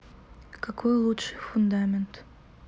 какой лучший фундамент